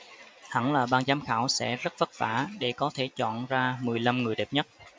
hẳn là ban giám khảo sẽ rất vất vả để có thể chọn ra mười lăm người đẹp nhất